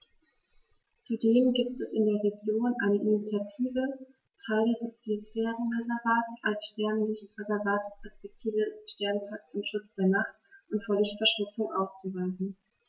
Zudem gibt es in der Region eine Initiative, Teile des Biosphärenreservats als Sternenlicht-Reservat respektive Sternenpark zum Schutz der Nacht und vor Lichtverschmutzung auszuweisen.